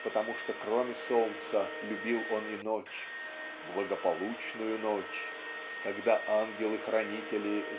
потому что кроме солнца любил он и ночь "благополучную ночь" когда "ангелы-хранители